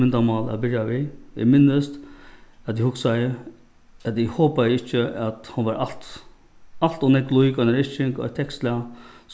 myndamál at byrja við eg minnist at eg hugsaði at eg hopaði ikki at hon var alt alt ov nógv lík einari yrking eitt tekstslag